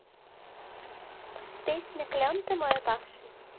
песня клен ты мой опавший